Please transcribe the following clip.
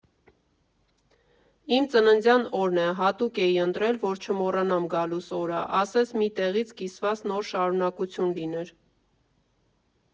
Իմ ծննդյան օրն է, հատուկ էի ընտրել, որ չմոռանամ գալուս օրը, ասես մի տեղից կիսված նոր շարունակություն լիներ։